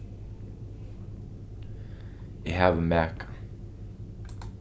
eg havi maka